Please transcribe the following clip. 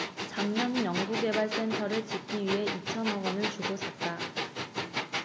작년 연구개발센터를 짓기 위해 이천 억원을 주고 샀다